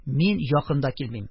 Мин якын да килмим.